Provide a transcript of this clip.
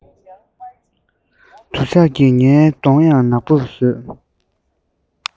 དུ ཞགས ཀྱིས ངའི གདོང ཡང ནག པོར བཟོས